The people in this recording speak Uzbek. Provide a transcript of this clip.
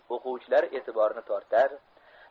o'quvchilar e'tiborini tortar